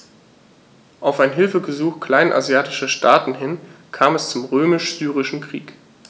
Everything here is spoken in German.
Auf ein Hilfegesuch kleinasiatischer Staaten hin kam es zum Römisch-Syrischen Krieg.